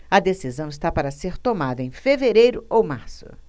a decisão está para ser tomada em fevereiro ou março